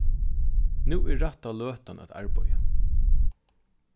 nú er rætta løtan at arbeiða